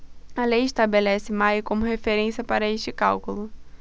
a lei estabelece maio como referência para este cálculo